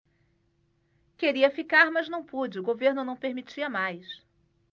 queria ficar mas não pude o governo não permitia mais